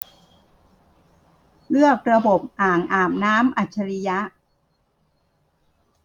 เลือกระบบอ่างอาบน้ำอัจฉริยะ